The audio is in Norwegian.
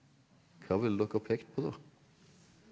hva ville dere pekt på da?